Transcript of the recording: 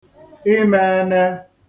imeēnē